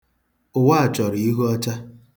Ụwa a chọrọ ihu ọcha.